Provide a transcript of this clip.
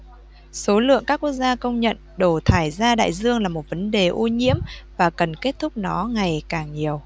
số lượng các quốc gia công nhận đổ thải ra đại dương là một vấn đề ô nhiễm và cần kết thúc nó ngày càng nhiều